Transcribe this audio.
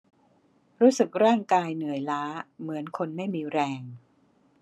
รู้สึกร่างกายเหนื่อยล้าเหมือนคนไม่มีแรง